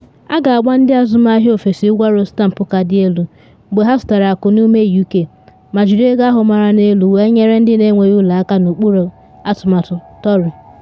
A ga-agba ndị azụmahịa ofesi ụgwọ ọrụ stampụ ka dị elu mgbe ha zụtara akụ n’ime UK ma jiri ego ahụ mara n’elu wee nyere ndị na enweghị ụlọ aka n’okpuru atụmatụ Tory